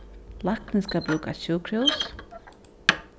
læknin skal brúka eitt sjúkrahús